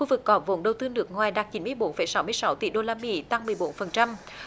khu vực có vốn đầu tư nước ngoài đạt chín mươi bốn phẩy sáu mươi sáu tỷ đô la mỹ tăng mười bốn phần trăm